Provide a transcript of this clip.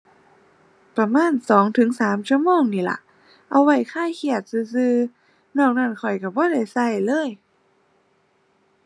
ประมาณสองถึงสามชั่วโมงนี่ล่ะ เอาไว้คลายเครียดซื่อซื่อ นอกนั้นข้อยก็บ่ได้ก็เลย